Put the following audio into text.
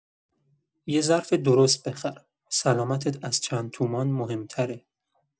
یه ظرف درست بخر، سلامتت از چند تومان مهم‌تره.